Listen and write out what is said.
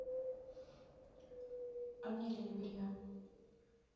анилибрия